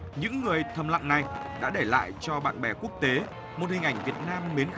những người thầm lặng này đã để lại cho bạn bè quốc tế một hình ảnh việt nam mến khách